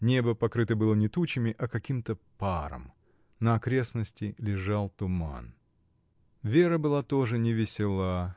Небо покрыто было не тучами, а каким-то паром. На окрестности лежал туман. Вера была тоже невесела.